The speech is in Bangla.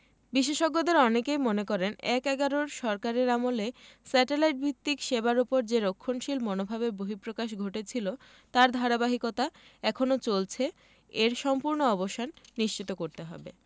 বিশেষজ্ঞদের অনেকে মনে করেন এক–এগারোর সরকারের আমলে স্যাটেলাইট ভিত্তিক সেবার ওপর যে রক্ষণশীল মনোভাবের বহিঃপ্রকাশ ঘটেছিল তার ধারাবাহিকতা এখনো চলছে এর সম্পূর্ণ অবসান নিশ্চিত করতে হবে